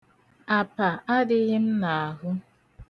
Apa adịghị m n'ahụ.